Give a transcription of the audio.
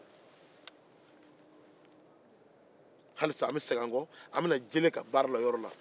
hali siasan an be segin an kɔ an bɛ na jele ka baara la o yɔrɔ la